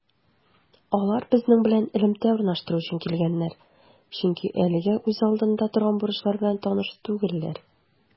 Алар безнең белән элемтә урнаштыру өчен килгәннәр, чөнки әлегә үз алдында торган бурычлар белән таныш түгелләр.